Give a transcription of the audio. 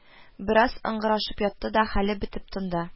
Бераз ыңгырашып ятты да, хәле бетеп тынды